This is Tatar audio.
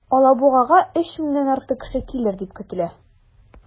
Алабугага 3 меңнән артык кеше килер дип көтелә.